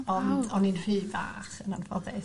Ond o'n i'n rhy fach yn anffodus...